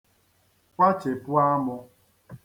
kwachèpu āmụ̄